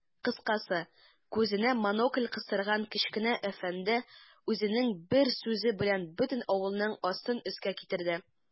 Кыскасы, күзенә монокль кыстырган кечкенә әфәнде үзенең бер сүзе белән бөтен авылның астын-өскә китерде.